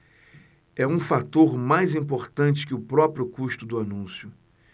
é um fator mais importante que o próprio custo do anúncio